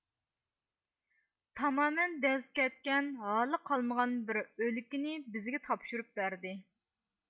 تامامەن دەز كەتكەن ھالى قالمىغان بىر ئۆلكىنى بىزگە تاپشۇرۇپ بەردى